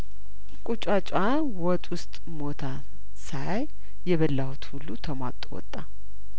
ቁጫጯ ወጥ ውስጥ ሞታ ሳይ የበላሁት ሁሉ ተሟጦ ወጣ